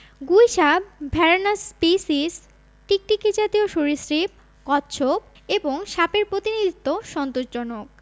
গুইসাপ Varanus species টিকটিকিজাতীয় সরীসৃপ কচ্ছপ এবং সাপের প্রতিনিধিত্ব সন্তোষজনক